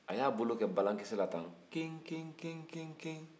a y'a bolo kɛ balakisɛ la tan kin kin kin kin kin